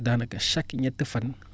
daanaka chaque ñetti fan